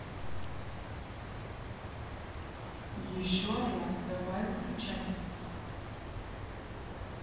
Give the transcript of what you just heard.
еще раз давай выключай